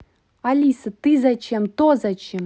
алиса ты зачем то зачем